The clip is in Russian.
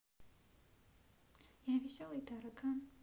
я веселый таракан